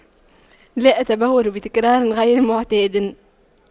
لا أتبول بتكرار غير معتاد